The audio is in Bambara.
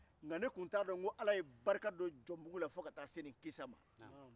nka ne tun t'a dɔn ko ala ye barika don jɔnbugu la fo ka taa se nin kisa ma